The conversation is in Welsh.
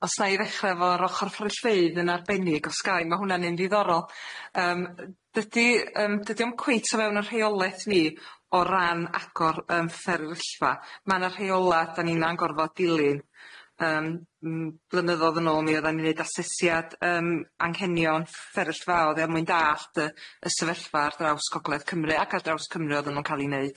Os na' i ddechre efo'r ochor fferyllfeydd yn arbennig os gai ma' hwnna'n un ddiddorol, yym yy dydi yym dydi o'm cweit o fewn y rheolaeth ni o ran agor yym fferyllfa ma' 'na rheola da nina'n gorfod dilyn yym m- blynyddodd yn ôl mi oddan ni'n neud asesiad yym anghenion fferyllfa er mwyn dallt y y sefyllfa ar draws gogledd Cymru ac ar draws Cymru oddan nw'n ca'l 'u neud.